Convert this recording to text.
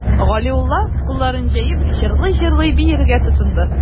Галиулла, кулларын җәеп, җырлый-җырлый биергә тотынды.